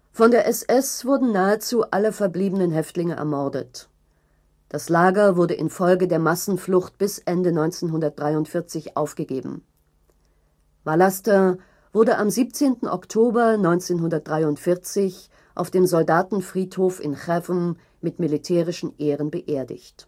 Von der SS wurden nahezu alle verbliebenen Häftlinge ermordet. Das Lager wurde in Folge der Massenflucht bis Ende 1943 aufgegeben. Vallaster wurde am 17. Oktober 1943 auf dem Soldatenfriedhof in Chełm mit militärischen Ehren beerdigt